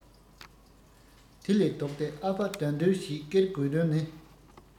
དེ ལས ལྡོག སྟེ ཨ ཕ དགྲ འདུལ ཞིག ཀེར དགོས དོན ནི